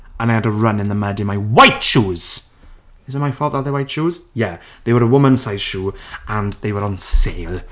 And I had to run in the mud in my WHITE shoes. Is it my fault that they're white shoes? Yeah. They were a woman size shoe, and they were on sale.*